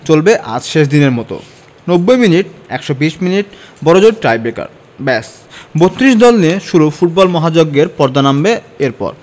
চলবে আজ শেষ দিনের মতো ৯০ মিনিট ১২০ মিনিট বড়জোর টাইব্রেকার ব্যস ৩২ দল নিয়ে শুরু ফুটবল মহাযজ্ঞের পর্দা নামবে এরপর